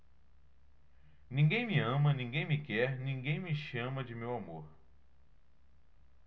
ninguém me ama ninguém me quer ninguém me chama de meu amor